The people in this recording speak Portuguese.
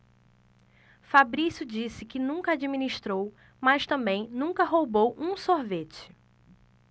fabrício disse que nunca administrou mas também nunca roubou um sorvete